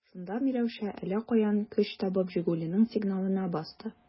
Шунда Миләүшә, әллә каян көч табып, «Жигули»ның сигналына басты.